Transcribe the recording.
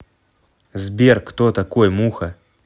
сбер кто такой муха